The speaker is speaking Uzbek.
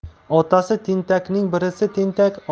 otasi tentakning birisi tentak